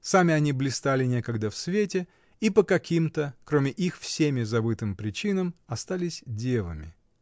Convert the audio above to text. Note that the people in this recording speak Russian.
Сами они блистали некогда в свете, и по каким-то, кроме их, всеми забытым причинам, остались девами.